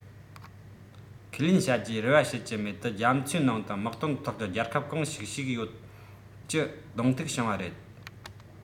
ཁས ལེན བྱ རྒྱུའི རེ བ བྱེད ཀྱི མེད དུ རྒྱ མཚོའི ནང དུ དམག དོན ཐོག གི རྒྱལ ཁབ གང ཞིག ཞིག ཡོད ཀྱི གདོང ཐུག བྱུང བ རེད